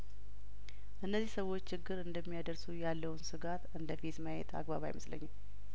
እነዚህ ሰዎች ችግር እንደሚያደርሱ ያለውን ስጋት እንደፌዝ ማየት አግባብ አይመስለኝም